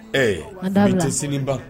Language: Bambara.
Ɛɛ i tɛ sini ban